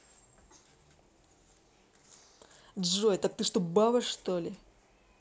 джой так ты что баба что ли